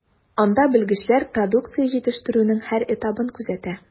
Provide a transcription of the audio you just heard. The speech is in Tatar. Анда белгечләр продукция җитештерүнең һәр этабын күзәтә.